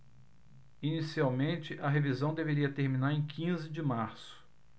inicialmente a revisão deveria terminar em quinze de março